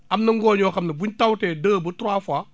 am na ngooñ yoo xam ne buñ tawtee deux ba trois fois